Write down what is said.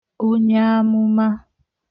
onyeamụma